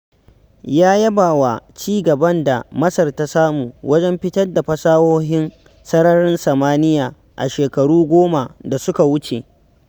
Ya yaba wa ci-gaban da Masar ta samu wajen fitar fasahohin sararin samaniya a shekaru goma da suka wuce.